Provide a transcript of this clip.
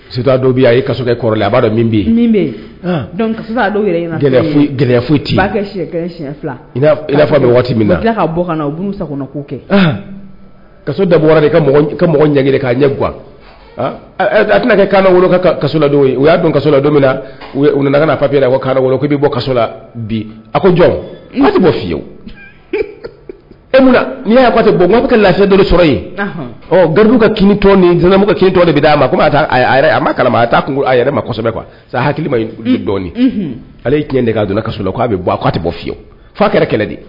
Dɔw a ka kɔrɔ a b'a waati min na bɔ sa kɔnɔ' kɛ ka dabɔ ka ɲɛ ka ɲɛ gan a tɛna kɛ kaana ka don o y'a dɔn ka don u nana fayela wolo ko' bɛ bɔsola bi a ko jɔn bɔ fiye e n'i y'ato bɔ bɛ kɛ la don sɔrɔ yen gari ka kinini ni t ka kin de bɛ d'a ma ko a ma kala a' kun a yɛrɛ masɛbɛ kuwa hakili dɔɔnin ale tiɲɛ de'a donna kaso k'a bɛ bɔ tɛ bɔ fiye fo kɛra kɛlɛ de